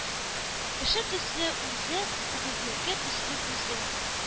Кеше төсле үзе, үгезнеке төсле күзе,